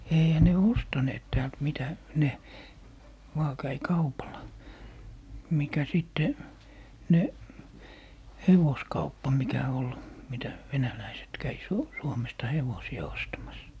eihän ne ostaneet täältä mitä ne vain kävi kaupalla mikä sitten ne hevoskauppa mikä oli mitä venäläiset kävi - Suomesta hevosia ostamassa